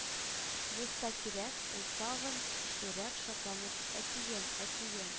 Булса кирәк, ул тагын көчлерәк шатланып: – әтием, әтием,